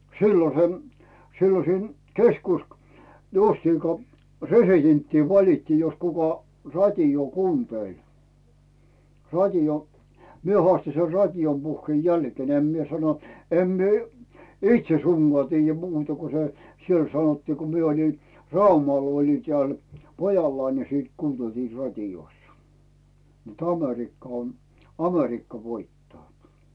silloin se silloin siinä - justiinko presidenttiä valittiin jos kuka radiota kuunteli radio minä haastoin sen radion puheen jälkeen en minä sano en minä itse suinkaan tiedä muuta kuin se siellä sanottiin kun minä olin Raumalla olin täällä pojallani niin sitten kuunneltiin radiossa niin että Amerikka on Amerikka voittaa